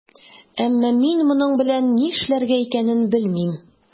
Әмма мин моның белән нишләргә икәнен белмим.